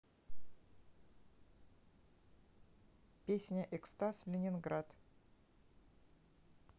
песня экстаз ленинград